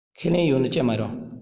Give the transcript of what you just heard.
ཁས ལེན ཡོད ན ཅི མ རུང